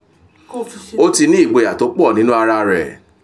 "Ó ti ní ìgboyà tó pọ̀ nínú ara rẹ̀.